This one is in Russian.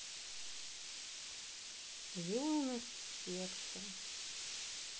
юность с текстом